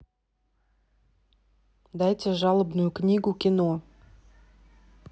дайте жалобную книгу кино